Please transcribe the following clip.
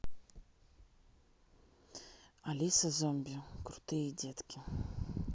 алиса зомби крутые детки